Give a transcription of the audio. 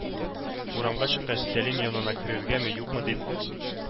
Урамга чыккач, Сәлим янына керергәме-юкмы дип,